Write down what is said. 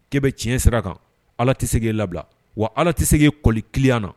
K'i bɛ tiɲɛ sira kan ala tɛ se k' e labila wa ala tɛ se' e kɔli kiya na